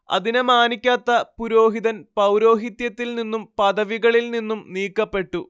അതിനെ മാനിക്കാത്ത പുരോഹിതൻ പൗരോഹിത്യത്തിൽ നിന്നും പദവികളിൽ നിന്നും നീക്കപ്പെട്ടു